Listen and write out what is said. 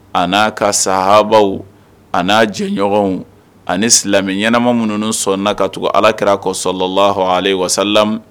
A'a ka saha a'a jɛɲɔgɔnw ani silamɛ ɲɛnaɛnɛma minnu sɔnna ka tugu alaki kɔsɔ la lah hɔn ale wasa